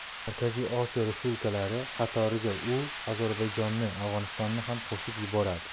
markaziy osiyo respublikalari qatoriga u ozarbayjonni afg'onistonni ham qo'shib yuboradi